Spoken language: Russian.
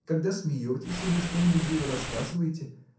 когда смеетесь или что-нибудь живо рассказываете.